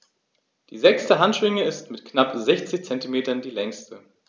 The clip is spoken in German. Die sechste Handschwinge ist mit knapp 60 cm die längste.